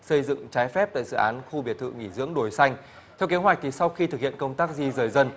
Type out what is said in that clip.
xây dựng trái phép tại dự án khu biệt thự nghỉ dưỡng đồi xanh theo kế hoạch kỳ sau khi thực hiện công tác di dời dân